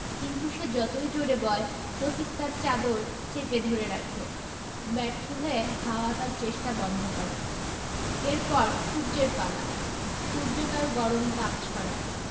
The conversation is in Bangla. কিন্তু সে যতই জোড়ে বয় পথিক তার চাদর চেপে ধরে রাখে ব্যর্থ হয়ে হাওয়া তার চেষ্টা বন্ধ করে এর পর সূর্যের পালা সূর্য তার গরম তাপ ছড়ায়